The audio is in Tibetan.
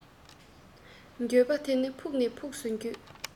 འགྱོད པ དེ ནི ཕུགས ནས ཕུགས སུ འགྱོད